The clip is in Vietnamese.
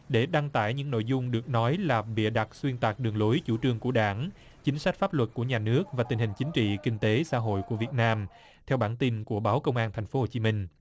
để đăng tải những nội dung được nói là bịa đặt xuyên tạc đường lối chủ trương của đảng chính sách pháp luật của nhà nước và tình hình chính trị kinh tế xã hội của việt nam theo bản tin của báo công an thành phố hồ chí minh